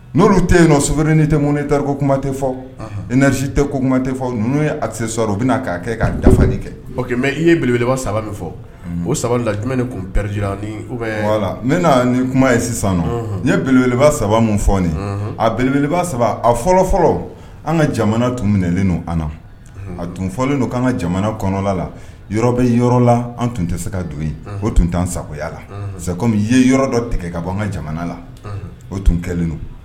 N'olu tɛ yen sobri ni tɛm ne ta ko kuma tɛ fɔ i nasi tɛ ko kumate fɔ n' ye ase sɔrɔ u bɛna k'a kɛ ka dafa kɛ o mɛ i ye beleba saba min fɔ o saba la jumɛn tun pɛ la ne na nin kuma ye sisan ye beleba saba min fɔ nin a belebeleba saba a fɔlɔfɔlɔ an ka jamana tun minɛlen don an a tun fɔlen don' an ka jamana kɔnɔ la yɔrɔ bɛ yɔrɔ la an tun tɛ se ka don yen o tun tan saya la sa i ye yɔrɔ dɔ tigɛ ka bɔ an ka jamana la o tun kɛlen don